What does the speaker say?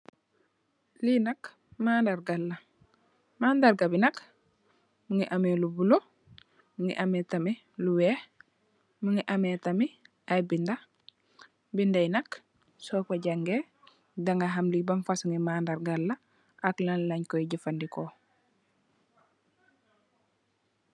Li nak mandarga la, mandarga bi nak mungi ameh lu bulo, mungi ameh tamit lu weeh, mungi ameh tamit ay binda. Binda yi nak soko jàngay daga ham li ban fasungi mandarga la ak lan leen koy jafadeko.